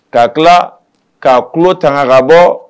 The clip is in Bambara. Ka tilaa k'a tulo tanga kabɔɔ